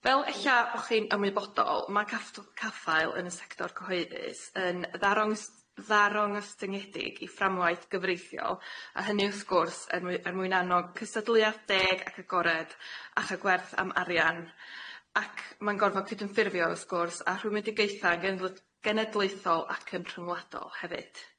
Fel ella o'ch chi'n ymwybodol ma' caffto- caffael yn y sector cyhoeddus yn ddarong s- ddarongystyngiedig i fframwaith gyfreithiol a hynny wrth gwrs er mwy- er mwyn annog cystadleuaeth deg ac agored ac y gwerth am arian ac ma'n gorfod cyd-ynffurfio wrth gwrs a rhyw myndigaetha'n gen- w- genedlaethol ac yn rhyngwladol hefyd.